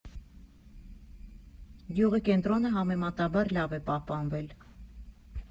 Գյուղի կենտրոնը համեմատաբար լավ է պահպանվել։